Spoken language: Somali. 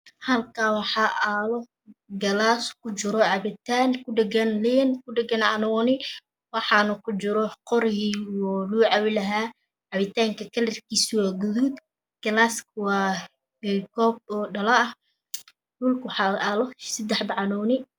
Halkanwaxa yala galaskujiracabitan kudhegan Liin kudhegan cannuni waxana kujira tubudilagucabilahaa cabitanka kalarkiisawa gaduud koob odhala Ah dhulkawaxa yala sidaxabo cannuni Ah